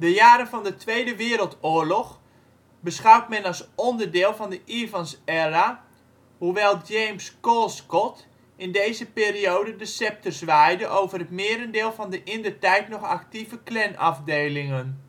jaren van de Tweede Wereldoorlog beschouwt men als onderdeel van de Evans Era hoewel James Colescott in deze periode de scepter zwaaide over het merendeel van de indertijd nog actieve Klanafdelingen